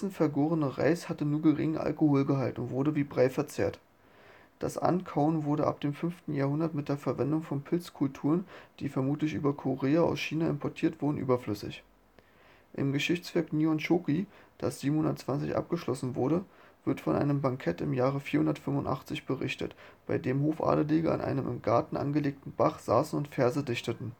vergorene Reis hatte nur geringen Alkoholgehalt und wurde wie Brei verzehrt. Das Ankauen wurde ab dem 5. Jahrhundert mit der Verwendung von Pilzkulturen, die vermutlich über Korea aus China importiert wurden, überflüssig. Im Geschichtswerk Nihonshoki, das 720 abgeschlossen wurde, wird von einem Bankett im Jahr 485 berichtet, bei dem Hofadelige an einem im Garten angelegten Bach saßen und Verse dichteten